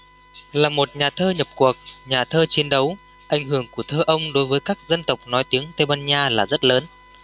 là một nhà thơ nhập cuộc nhà thơ chiến đấu ảnh hưởng của thơ ông đối với các dân tộc nói tiếng tây ban nha là rất lớn